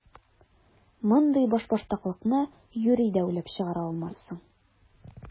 Мондый башбаштаклыкны юри дә уйлап чыгара алмассың!